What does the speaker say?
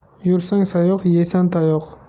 yursang sayoq yersan tayoq